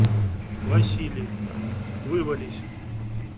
василий вывались